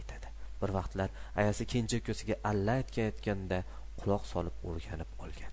bir vaqtlar ayasi kenja ukasiga alla aytayotganida quloq solib o'rganib olgan